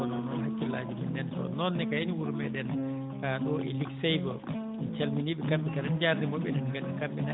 kono noon hakkillaaji men nan toon noon ne kayne wuro meeɗen haaɗo e Ligi Seyba en calminii ɓe kamɓe kala en jaarniima ɓe eɗen mbiya kamɓene